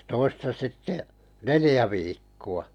ja toista sitten neljä viikkoa